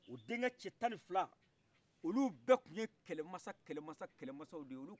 o den kɛ cɛ tannifila olu bɛ tun ye kɛlɛmasa kɛlɛmasa kɛlɛmasaw de ye